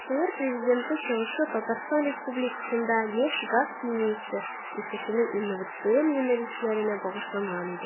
ТР Президенты чыгышы Татарстан Республикасында нефть-газ химиясе үсешенең инновацион юнәлешләренә багышланган иде.